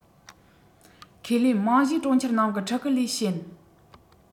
ཁས ལེན རྨང གཞིའི གྲོང ཁྱེར ནང གི ཕྲུ གུ ལས ཞན